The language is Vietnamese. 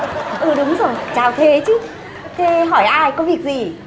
ừ đúng rồi chào thế chứ thế hỏi ai có việc gì